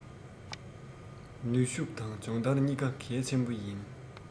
ནུས ཤུགས དང སྦྱོང ལྟར གཉིས ཀ གལ ཆེན པོ ཡིན